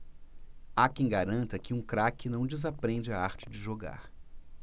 há quem garanta que um craque não desaprende a arte de jogar